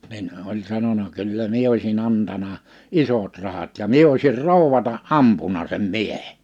niin oli sanonut kyllä minä olisin antanut isot rahat ja minä olisin rouvana ampunut sen miehen